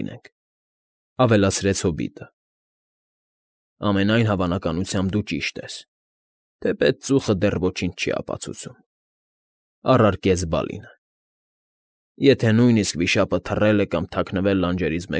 Լինենք,֊ ավելացրեց հոբիտը։ ֊ Ամենայն հավանականությամբ դու ճիշտ ես, թեպետ ծուխը դեռ ոչինչ չի ապացուցում,֊ առարկեց Բալինը։֊ Եթե նույնիսկ վիշապը թռել է կամ թաքնվել լանջերից։